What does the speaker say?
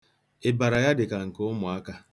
Ịbara ya dịka nke ụmụaka.